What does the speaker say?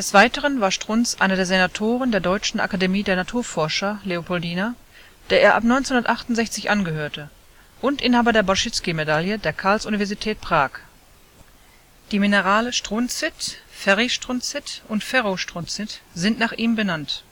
Weiteren war Strunz einer der Senatoren der Deutschen Akademie der Naturforscher Leopoldina, der er ab 1968 angehörte, und Inhaber der Bořicky-Medaille der Karls-Universität Prag. Die Minerale Strunzit, Ferristrunzit und Ferrostrunzit sind nach ihm benannt